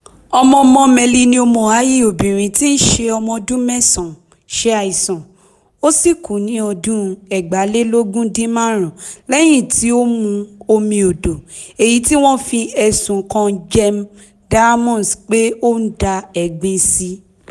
Ọmọ-ọmọ Malineo Moahi obìnrin tí í ṣe ọmọ ọdún mẹ́sàn-án ṣe àìsàn ó sì kú ní ọdún 2015 lẹ́yìn tí ó mu omi odò èyí tí wọ́n fi ẹ̀sùn kan Gem Diamonds pé ó ń dá ẹ̀gbin sí.